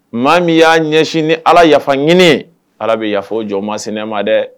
Maa min y'a ɲɛsin ni allah yaafa ɲini ye; allah bɛ yaafa o jɔn masinɛ ma dɛ!